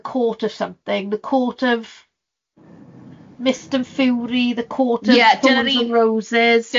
The Court of something, the Court of Mist and Fury, the Court of... Ie ...Thorns and Roses.